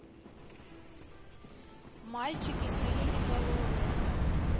мальчики сиреноголовые